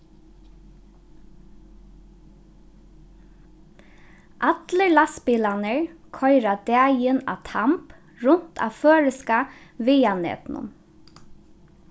allir lastbilarnir koyra dagin á tamb runt á føroyska veganetinum